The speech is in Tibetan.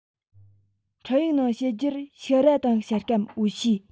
འཕྲིན ཡིག ནང བཤད རྒྱུར ཕྱུར ར དང ཤ སྐམ འོ ཕྱེ